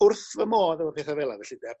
wrth fy modd efo petha fela felly 'de